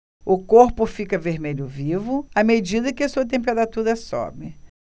o corpo fica vermelho vivo à medida que sua temperatura sobe